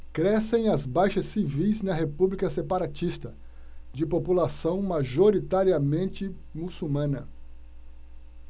crescem as baixas civis na república separatista de população majoritariamente muçulmana